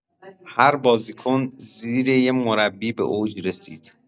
هر بازیکن زیر یه مربی به اوج رسید